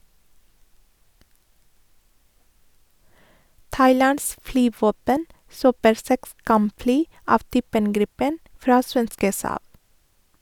Thailands flyvåpen kjøper seks kampfly av typen Gripen fra svenske Saab.